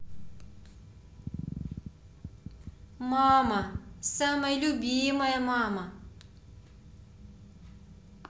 мама самая любимая мама